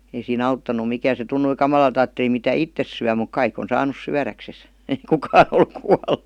ei siinä auttanut mikään se tuntui kamalalta ajatteli mitä itse syö mutta kaikki on saanut syödäkseen ei kukaan ole kuollut